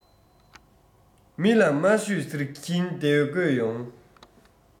མི ལ མ ཤོད ཟེར གྱིན སྡོད དགོས ཡོང